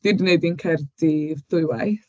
Dwi 'di wneud un Caerdydd dwywaith.